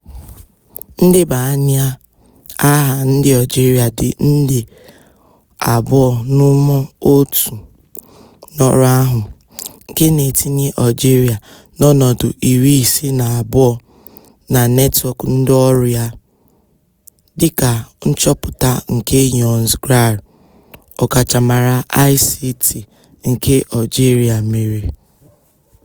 Ndebanye aha ndị Algerịa dị nde 2.1 n'ọrụ ahụ, nke na-etinye Algeria n'ọnọdụ 52 na netwọk ndịọrụ ya, dịka nchọpụta nke Younes Grar, ọkachamara ICT nke Algerịa mere.